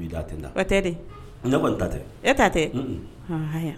Tɛ ta tɛ ta tɛ